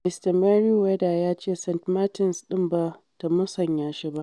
Mista Merriweather ya ce St. Martin's ɗin ba ta musanya shi ba.